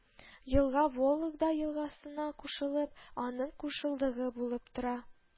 Елга Вологда елгасына кушылып, аның кушылдыгы булып тора